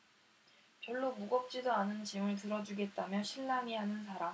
별로 무겁지도 않은 짐을 들어주겠다며 실랑이 하는 사람